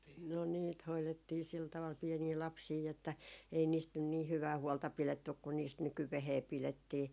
no niitä hoidettiin sillä tavalla pieniä lapsia että ei niistä nyt niin hyvää huolta pidetty kuin niistä nykyään pidettiin